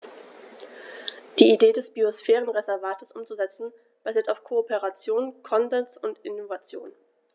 Die Idee des Biosphärenreservates umzusetzen, basiert auf Kooperation, Konsens und Innovation.